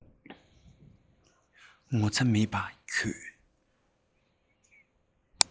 ངོ ཚ མེད པ ཁྱོད